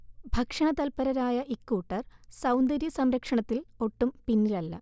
ഭക്ഷണ തല്പരരായ ഇക്കൂട്ടർ സൗന്ദര്യ സംരക്ഷണത്തിൽ ഒട്ടും പിന്നിലല്ല